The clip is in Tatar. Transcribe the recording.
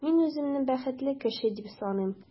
Мин үземне бәхетле кеше дип саныйм.